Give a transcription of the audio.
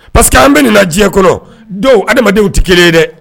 Parce que an bɛ nin na diɲɛ kɔnɔ, do, adamadenw tɛ kelen ye dɛ.